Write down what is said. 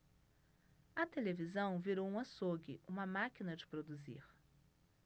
a televisão virou um açougue uma máquina de produzir